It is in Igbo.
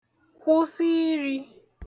kwụsị irī